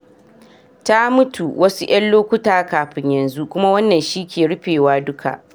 Ta mutu wasu yan lokuta kafin yanzu kuma Wannan shi ke rufewa duka.